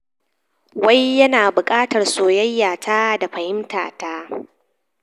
Wai yana bukatar soyayya ta da fahimta ta.